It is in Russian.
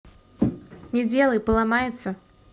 не делай поломается